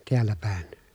täällä päin